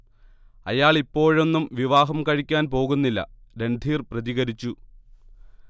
അയാളിപ്പോഴൊന്നും വിവാഹം കഴിക്കാൻ പോകുന്നില്ല- രൺധീർ പ്രതികരിച്ചു